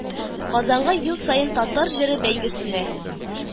Казанга ел саен Татар җыры бәйгесенә